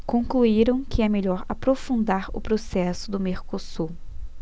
concluíram que é melhor aprofundar o processo do mercosul